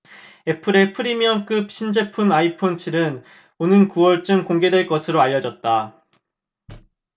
애플의 프리미엄급 신제품 아이폰 칠 은 오는 구 월쯤 공개될 것으로 알려졌다